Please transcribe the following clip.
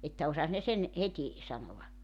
että osasi ne sen heti sanoa